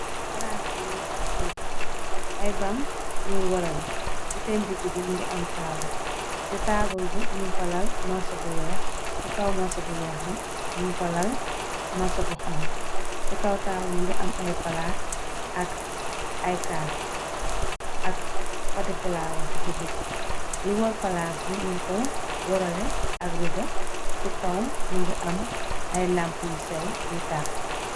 Plase be muge am aye bang aye bang yun wurlale se sen degebe muge am table se table be nung fa lal mursu bu weehe se kaw mursu bu weehe be nung fa lal mursu bu hauhu se kaw table be muge am aye palate ak aye kass ak pote flower se degebe lu wurr plase be nungku wurlale ak redou se kaw muge am aye lampu yu seew yu takeh.